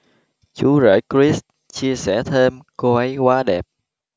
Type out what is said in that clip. chú rể kris chia sẻ thêm cô ấy quá đẹp